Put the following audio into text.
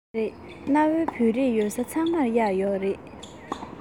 ཡོད རེད གནའ བོའི བོད རིགས ཡོད ས ཚང མར གཡག ཡོད རེད